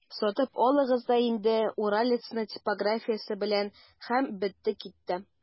Сатып алыгыз да инде «Уралец»ны типографиясе белән, һәм бетте-китте!